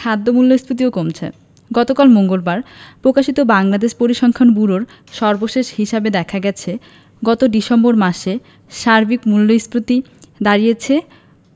খাদ্য মূল্যস্ফীতিও কমছে গতকাল মঙ্গলবার প্রকাশিত বাংলাদেশ পরিসংখ্যান ব্যুরোর সর্বশেষ হিসাবে দেখা গেছে গত ডিসেম্বর মাসে সার্বিক মূল্যস্ফীতি দাঁড়িয়েছে